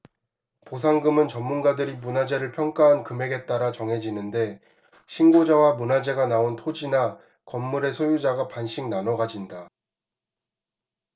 보상금은 전문가들이 문화재를 평가한 금액에 따라 정해지는데 신고자와 문화재가 나온 토지나 건물의 소유자가 반씩 나눠 가진다